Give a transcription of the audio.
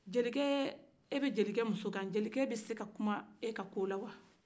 jelikɛ e bɛ jelikɛ muso kan jelikɛ bɛ se ka kuma e ka ko la wa